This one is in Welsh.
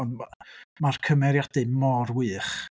Ond ma' ma'r cymeriadau mor wych.